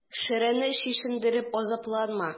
Шәрәне чишендереп азапланма.